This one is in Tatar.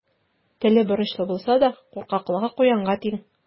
Теле борычлы булса да, куркаклыгы куянга тиң.